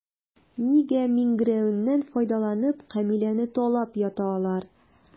Нигә миңгерәюеннән файдаланып, Камиләне талап ята алар?